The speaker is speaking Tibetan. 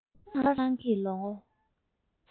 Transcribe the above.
དཀར ལྷང ལྷང གི ལོ ངོ